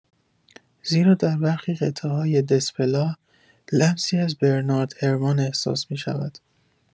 زیرا در برخی قطعه‌های دسپلا، لمسی از برنارد هرمان احساس می‌شود.